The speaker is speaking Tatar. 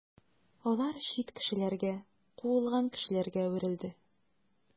Алар чит кешеләргә, куылган кешеләргә әверелде.